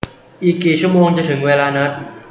อีกกี่ชั่วโมงจะถึงเวลานัด